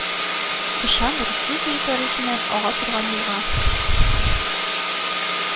Кычан Русия территориясеннән ага торган елга